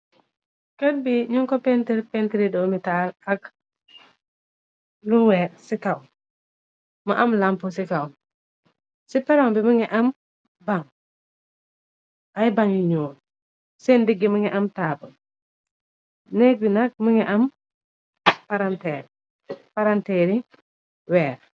Kët bi ñun ko pentr pentri domital ak lu weer ci kaw mu am lamp ci kaw ci paran bi ma nga am bam ay bàn yu ñyul seen diggi ma nga am taaba nekk bi nak ma nga am paranteeri weer.